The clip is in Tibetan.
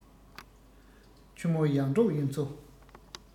ཆུ མོ ཡར འབྲོག གཡུ མཚོ